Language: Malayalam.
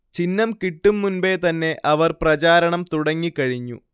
ചിഹ്നം കിട്ടും മുൻപേ തന്നെ അവർ പ്രചാരണം തുടങ്ങിക്കഴിഞ്ഞു